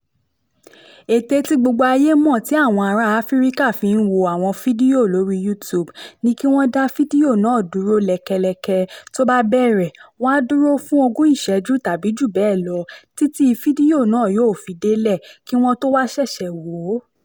Ète tí gbogbo ayé mọ̀ tí àwọn ará Áfíríkà fi ń wo àwọn fídíò lóri YouTube ni kí wọ́n dá fídíò náà dúró lẹ́kẹ̀lẹkẹ̀ tó bá bẹ̀rẹ̀, wọ́n á dúró fún ìṣéjú 20 (tàbí jùbẹ́ẹ̀lọ) títí fídíò náà yóò fi délẹ̀, kí wọ́n tó wá ṣẹ̀ṣẹ̀ wò ó.